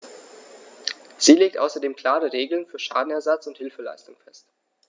Sie legt außerdem klare Regeln für Schadenersatz und Hilfeleistung fest.